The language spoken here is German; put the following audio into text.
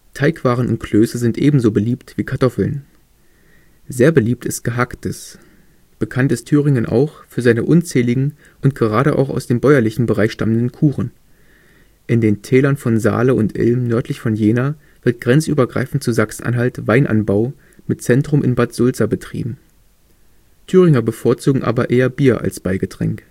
Teigwaren und Klöße sind ebenso beliebt wie Kartoffeln. Sehr beliebt ist Gehacktes. Bekannt ist Thüringen auch für seine unzähligen und gerade auch aus dem bäuerlichen Bereich stammenden Kuchen. In den Tälern von Saale und Ilm nördlich von Jena wird grenzübergreifend zu Sachsen-Anhalt Weinanbau mit Zentrum in Bad Sulza betrieben. Thüringer bevorzugen aber eher Bier als Beigetränk